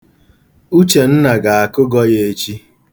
Uchenna ga-akụgọ ya echi.